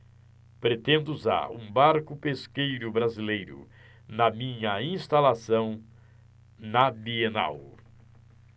pretendo usar um barco pesqueiro brasileiro na minha instalação na bienal